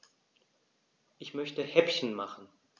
Ich möchte Häppchen machen.